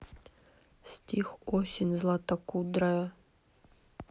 стих осень златокудрая